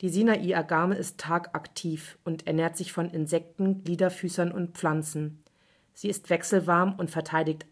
Die Sinai-Agame ist tagaktiv und ernährt sich von Insekten, Gliederfüßern und Pflanzen. Sie ist wechselwarm und verteidigt